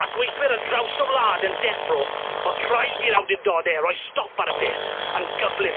a gweithwyr ar draws y wlad yn deffro, o'dd rhaid i'r awdurdode roi stop ar y peth yn gyflym.